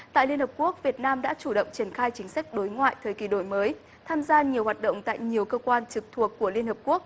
tại liên hợp quốc việt nam đã chủ động triển khai chính sách đối ngoại thời kỳ đổi mới tham gia nhiều hoạt động tại nhiều cơ quan trực thuộc của liên hợp quốc